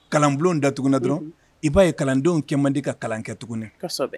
Kalanbu datna dɔrɔn i b'a ye kalandenw kɛ man di ka kalan kɛ tugun